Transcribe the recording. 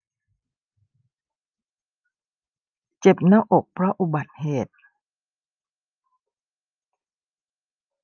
เจ็บหน้าอกเพราะอุบัติเหตุ